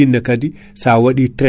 woni RMG Sénégal